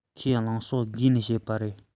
ཁོའི རླུང ཤོ རྒས ནས བྱས པ རེད